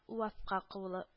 Уавка куылы к